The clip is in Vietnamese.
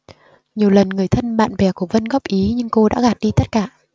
nhiều lần người thân bạn bè của vân góp ý nhưng cô đã gạt đi tất cả